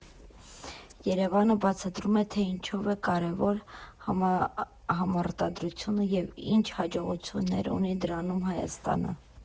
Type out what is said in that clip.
ԵՐԵՎԱՆը բացատրում է, թե ինչով է կարևոր համարտադրությունը և ինչ հաջողություններ ունի դրանում Հայաստանը։